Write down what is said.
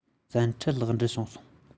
བཙན ཁྲིད ལེགས འགྲུབ བྱུང སོང